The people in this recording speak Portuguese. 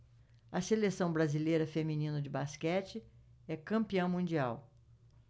a seleção brasileira feminina de basquete é campeã mundial